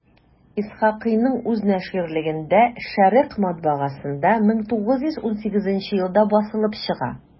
Исхакыйның үз наширлегендә «Шәрекъ» матбагасында 1918 елда басылып чыга.